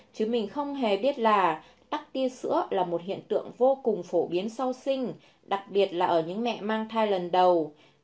chứ mình không hề biết là tắc tia sữa là một hiện tượng vô cùng phổ biến sau sinh đặc biệt là ở những mẹ mang thai lần đầu